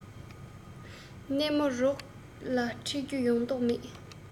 གནས མོ རོགས ལ ཁྲིད རྒྱུ ཡོད མདོག མེད